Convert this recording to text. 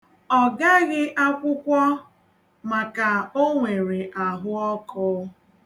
Ọ gaghị akwụkwọ maka o nwere ahụọkụ.